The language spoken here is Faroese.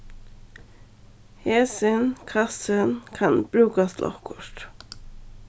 hesin kassin kann brúkast til okkurt